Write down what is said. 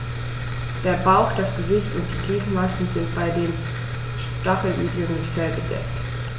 Der Bauch, das Gesicht und die Gliedmaßen sind bei den Stacheligeln mit Fell bedeckt.